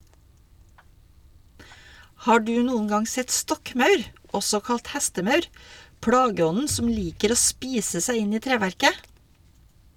Har du noen gang sett stokkmaur, også kalt hestemaur, plageånden som liker å spise seg inn i treverket?